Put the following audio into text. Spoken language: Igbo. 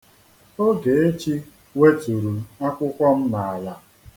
Ogechi weturu akwụkwọ m n'ala.